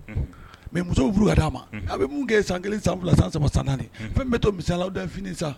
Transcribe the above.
Unhun mais muso be furu k'a d'a ma unhun a be mun ke san 1 san 2 san 3 san 4 unhun fɛn min be to misɛnyala o dan ye fini ye sa